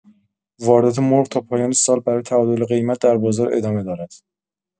واردات مرغ تا پایان سال برای تعادل قیمت در بازار ادامه دارد.